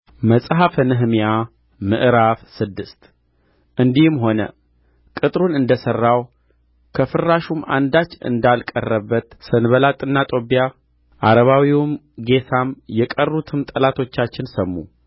መጽሐፈ ነህምያ ምዕራፍ ስድስት እንዲህም ሆነ ቅጥሩን እንደ ሠራሁ ከፍራሹም አንዳች እንዳልቀረበት ሰንባላጥና ጦብያ ዓረባዊውም ጌሳም የቀሩትም ጠላቶቻችን ሰሙ